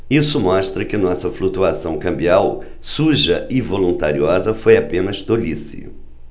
isso mostra que nossa flutuação cambial suja e voluntariosa foi apenas tolice